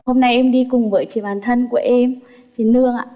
hôm nay em đi cùng với chị bạn thân của em chị lương ạ